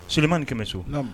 Selima ni kɛmɛ so